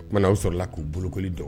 Oumanaawa sɔrɔla la k'u bolokoli dɔn